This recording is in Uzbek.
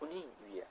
uning uyi